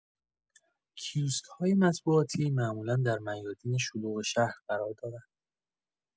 کیوسک‌های مطبوعاتی معمولا در میادین شلوغ شهر قرار دارند.